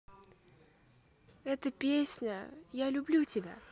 эта песня я люблю тебя